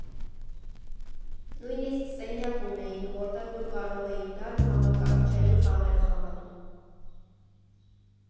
Նույնիսկ սենյակ ունեինք, որտեղ դու կարող էիր գալ համակարգչային խաղեր խաղալ։